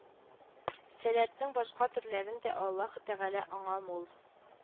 Сәләтнең башка төрләрен дә Аллаһы Тәгалә аңа мул